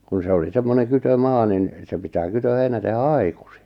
kun se oli semmoinen kytömaa niin se pitää kytöheinä tehdä aikaisin